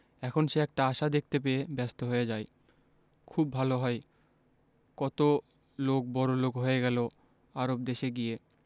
এখন সে একটা আশা দেখতে পেয়ে ব্যস্ত হয়ে যায় খুব ভালো হয় কত লোক বড়লোক হয়ে গেল আরব দেশে গিয়ে